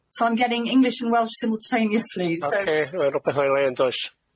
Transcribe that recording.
So I'm getting English and Welsh simultaneously so. Ocê r- rwbeth o'i le yn does?